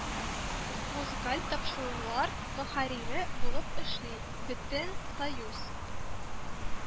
Музыкаль тапшырулар мөхәррире булып эшли, бөтен союз